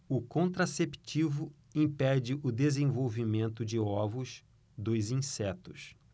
o contraceptivo impede o desenvolvimento de ovos dos insetos